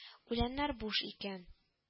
Үләннәр буш игән